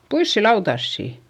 puisia lautasia